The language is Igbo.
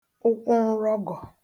ụkwụnrọgọ̀